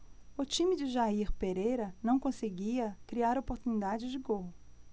o time de jair pereira não conseguia criar oportunidades de gol